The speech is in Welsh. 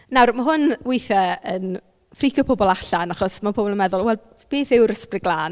Nawr ma' hwn weithiau yn ffricio pobl allan achos ma' pobl yn meddwl "wel, beth yw'r ysbryd glân?"